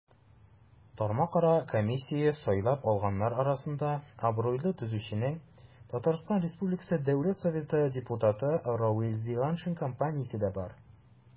Тармакара комиссия сайлап алганнар арасында абруйлы төзүченең, ТР Дәүләт Советы депутаты Равил Зиганшин компаниясе дә бар.